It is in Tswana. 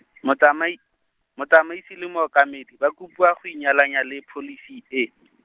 motsamai, motsamaisi le mookamedi ba kopiwa go inyalanya le pholisi e.